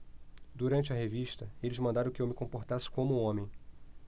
durante a revista eles mandaram que eu me comportasse como homem